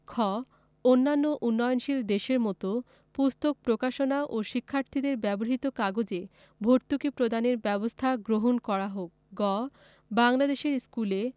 খ অন্যান্য উন্নয়নশীল দেশের মত পুস্তক প্রকাশনা ও শিক্ষার্থীদের ব্যবহৃত কাগজে ভর্তুকি প্রদানের ব্যবস্থা গ্রহণ করা হোক গ বাংলাদেশের স্কুলে